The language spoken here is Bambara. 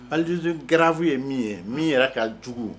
Aliz garanfu ye min ye min yɛrɛ ka jugu